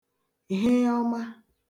heọma